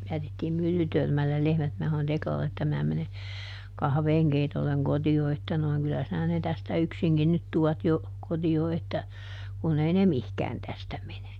jätettiin Myllytörmälle lehmät minä sanoin Teklalle että minä menen kahvinkeitolle kotiin että noin kyllä sinä ne tästä yksinkin nyt tuot jo kotiin että kun ei ne mihinkään tästä mene